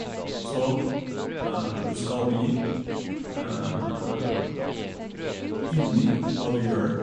Så du skal bli inni hva du gjør.